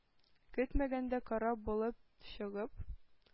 Көтмәгәндә, кара болыт чыгып,